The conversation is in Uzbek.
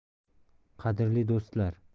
qadrli do'stlar